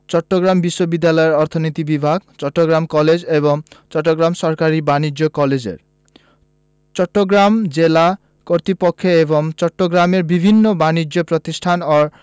চট্টগ্রাম বিশ্ববিদ্যালয়ের অর্থনীতি বিভাগ চট্টগ্রাম কলেজ এবং চট্টগ্রাম সরকারি বাণিজ্য কলেজের চট্টগ্রাম জেলা কর্তৃপক্ষ এবং চট্টগ্রামের বিভিন্ন বানিজ্য প্রতিষ্ঠান ও